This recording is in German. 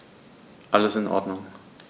Alles in Ordnung.